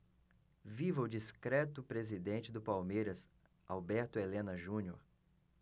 viva o discreto presidente do palmeiras alberto helena junior